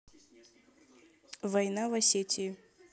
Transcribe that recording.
война в осетии